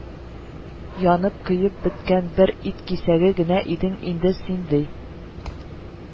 Янып, көеп беткән бер ит кисәге генә идең, син, ди